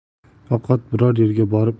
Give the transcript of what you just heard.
faqat biror yerga borib